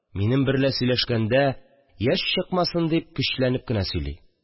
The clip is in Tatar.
Минем берлә сөйләшкәндә яшь чыкмасын дип көчләнеп кенә сөйли